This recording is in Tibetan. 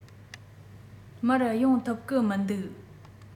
མར ཡོང ཐུབ གི མི འདུག